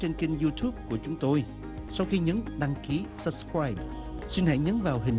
trên kênh riu túp của chúng tôi sau khi những đăng ký sắp roaii xin hãy nhấn vào hình